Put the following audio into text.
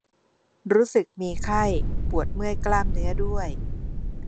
รู้สึกมีไข้ปวดเมื่อยกล้ามเนื้อด้วย